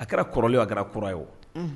A kɛra kɔrɔlen ye o, a kɛra kura ye o